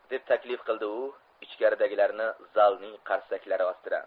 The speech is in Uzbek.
deb taklif qildi u ichkaridagilarni zalning qarsaklari ostida